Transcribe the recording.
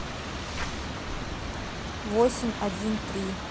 восемь один три